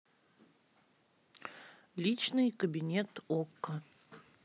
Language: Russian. личный кабинет окко